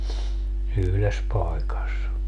yhdessä paikassa